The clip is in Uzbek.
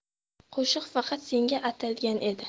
qo'shiq faqat senga atalgan edi